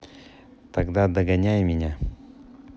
тогда догоняй меня